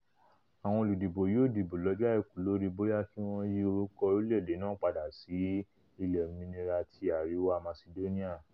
Àwọn olùdìbò yóò dìbò lọjọ Àìkú lórí bóyá kí wọn yí orúkọ orílẹ̀-èdè náà padà sí “Ilẹ̀ Olómìnira ti Àríwá Masidóníà.